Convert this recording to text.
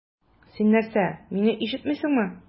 Син нәрсә, мине ишетмисеңме?